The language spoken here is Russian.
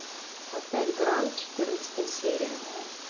отель гранд четырнадцатая серия